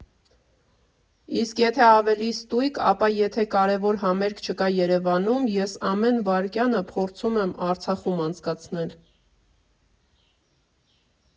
Իսկ եթե ավելի ստույգ, ապա եթե կարևոր համերգ չկա երևանում, ես ամեն վարկյանը փորձում եմ Արցախում անցկացնել։